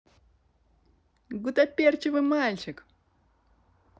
гутоперчивый мальчик